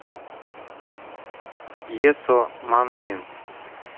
eco манки